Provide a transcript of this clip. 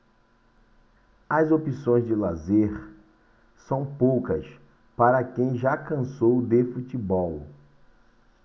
as opções de lazer são poucas para quem já cansou de futebol